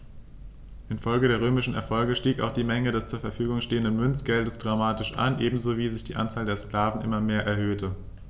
Infolge der römischen Erfolge stieg auch die Menge des zur Verfügung stehenden Münzgeldes dramatisch an, ebenso wie sich die Anzahl der Sklaven immer mehr erhöhte.